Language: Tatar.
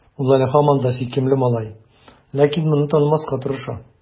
Ул әле һаман да сөйкемле малай, ләкин моны танымаска тырыша.